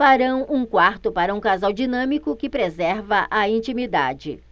farão um quarto para um casal dinâmico que preserva a intimidade